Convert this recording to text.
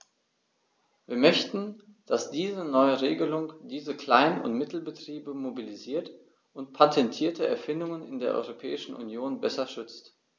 Wir möchten, dass diese neue Regelung diese Klein- und Mittelbetriebe mobilisiert und patentierte Erfindungen in der Europäischen Union besser schützt.